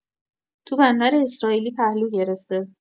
تو بندر اسرائیلی پهلو گرفته